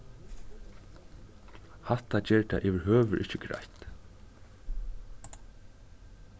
hatta ger tað yvirhøvur ikki greitt